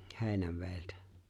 Heinävedeltä